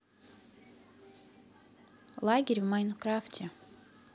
лагерь в майнкрафте